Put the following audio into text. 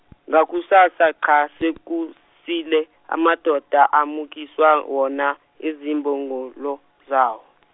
ngakusasa nxa sekusile, amadoda amukiswa wona izimbongolo, zawo.